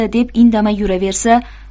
deb indamay yuraversa